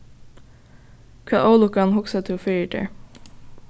hvat ólukkan hugsar tú fyri tær